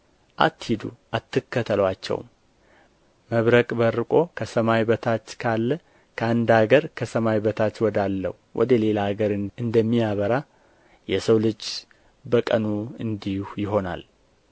አትሂዱ አትከተሉአቸውም መብረቅ በርቆ ከሰማይ በታች ካለ ከአንድ አገር ከሰማይ በታች ወዳለው ወደ ሌላ አገር እንደሚያበራ የሰው ልጅ በቀኑ እንዲህ ይሆናል